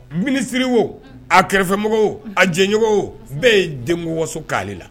N minisiririwo a kɛrɛfɛmɔgɔw a jɛɲɔgɔn bɛɛ ye den waso k'ale la